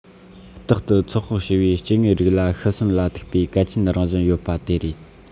རྟག ཏུ ཚོད དཔག བྱས པའི སྐྱེ དངོས རིགས ལ ཤི གསོན ལ ཐུག པའི གལ ཆེན རང བཞིན ཡོད པ དེ རེད